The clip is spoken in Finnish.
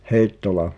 Heittola